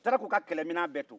u taara k'u ka kɛlɛ minan bɛɛ to